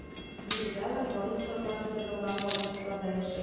Биредә алар барлык шартлар тудырылган вагончыкларда яши.